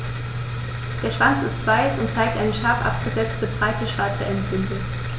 Der Schwanz ist weiß und zeigt eine scharf abgesetzte, breite schwarze Endbinde.